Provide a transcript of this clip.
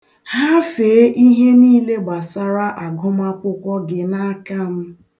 Hafee ihe niile gbasara agụmaakwụkwọ gị n'aka m.